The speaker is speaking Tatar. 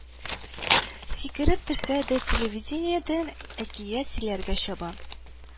Сикереп төшә дә телевидениедән әкият сөйләргә чаба